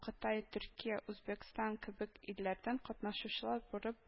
Кытай, Төркия, Үзбәкстан кебек илләрдән катнашучылар булып